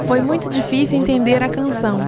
foi muito difícil entender a canção